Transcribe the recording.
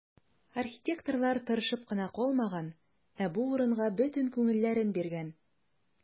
Архитекторлар тырышып кына калмаган, ә бу урынга бөтен күңелләрен биргән.